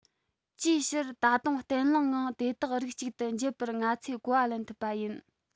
ཅིའི ཕྱིར ད དུང བརྟན བརླིང ངང དེ དག རིགས གཅིག ཏུ འབྱེད པར ང ཚོས གོ བ ལེན ཐུབ པ ཡིན